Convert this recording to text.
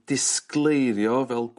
disgleirio fel